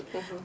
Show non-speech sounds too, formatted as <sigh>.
<hesitation> <hesitation>